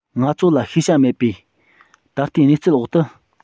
ང ཚོ ལ ཤེས བྱ མེད པའི ད ལྟའི གནས ཚུལ འོག ཏུ